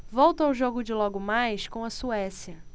volto ao jogo de logo mais com a suécia